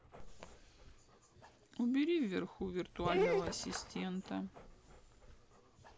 убери вверху виртуального ассистента